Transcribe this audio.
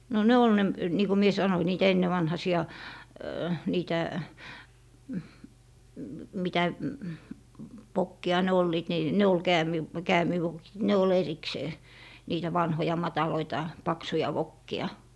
no ne oli ne niin kuin minä sanoin niitä ennenvanhaisia niitä mitä vokkeja ne olivat niin ne oli - käämivokit ne oli erikseen niitä vanhoja matalia paksuja vokkeja